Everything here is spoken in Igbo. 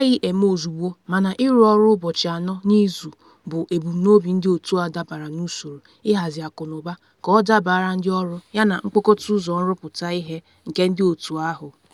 ‘Ọ gaghị eme ozugbo mana ịrụ ọrụ ụbọchị anọ n’izu bụ ebumnobi ndị otu a dabara n’usoro ihazi akụnụba ka ọ dabaara ndị ọrụ yana mkpokota ụzọ nrụpụta ihe nke ndị otu ahụ.’